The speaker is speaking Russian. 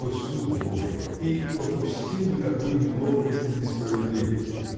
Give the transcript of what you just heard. что суд божий и попустил бы такую неловкость и несправедливость